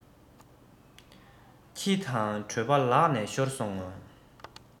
ཁྱི དང གྲོད པ ལག ནས ཤོར སོང ངོ